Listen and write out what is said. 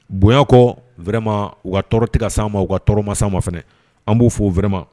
Bonya kɔ vraiment u ka tɔɔrɔ tɛ ka sen an ma, u ka tɔɔrɔ ma se an ma fana, an b'u fɔ vraiment